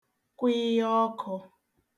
kwịịya ọkụ̄